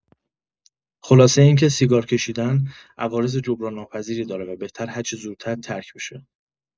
خلاصه اینکه، سیگار کشیدن عوارض جبران‌ناپذیری داره و بهتره هرچه زودتر ترک بشه.